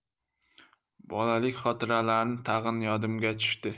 bolalik xotiralari tag'in yodimga tushdi